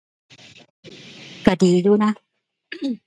ก็ดีอยู่นะ